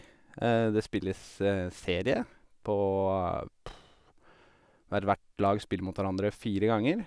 Det spilles serie på hver Hvert lag spiller mot hverandre fire ganger.